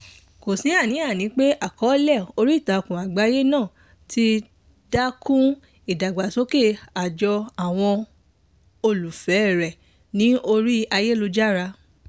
Kò sí àníàní pé àkọọ́lẹ̀ oríìtakùn àgbáyé náà ti dá kún ìdàgbàsókè àjọ àwọn olùfẹ́ rẹ̀ ní orí ayélujára.